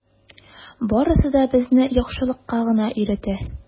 Барысы да безне яхшылыкка гына өйрәтә.